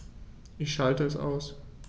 Ich schalte es aus.